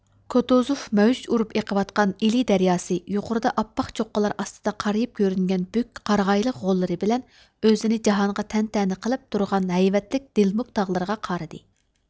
كوتۇزۇف مەۋج ئۇرۇپ ئېقىۋاتقان ئىلى دەرياسى يۇقىرىدا ئاپئاق چوققىلار ئاستىدا قارىيىپ كۆرۈنگەن بۈك قارىغايلىق غوللىرى بىلەن ئۆزىنى جاھانغا تەنتەنە قىلىپ تۇرغان ھەيۋەتلىك دىلمۇك تاغلىرىغا قارىدى